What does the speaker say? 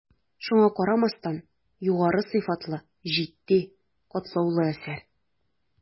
Шуңа карамастан, югары сыйфатлы, житди, катлаулы әсәр.